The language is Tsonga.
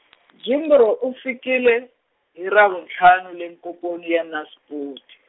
Jimbro u fikile, hi ravuntlhanu le komponi ya Naspoti.